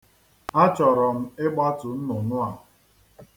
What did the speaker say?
Achọrọ m igbatu nnụnụ a?